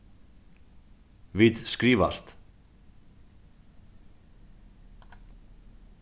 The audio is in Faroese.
vit skrivast